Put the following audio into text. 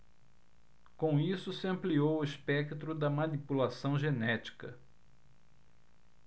com isso se ampliou o espectro da manipulação genética